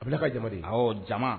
A bɛ lakali jama de ye, ɔ jama